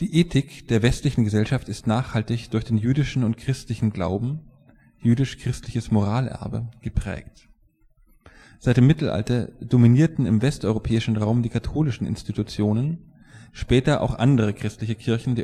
Ethik der westlichen Gesellschaft ist nachhaltig durch den jüdischen und christlichen Glauben („ jüdisch-christliches Moralerbe “) geprägt. Seit dem Mittelalter dominierten im westeuropäischen Raum die katholischen Institutionen, später auch andere christliche Kirchen